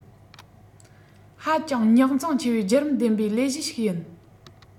ཧ ཅང རྙོག འཛིང ཆེ བའི རྒྱུད རིམ ལྡན པའི ལས གཞི ཞིག ཡིན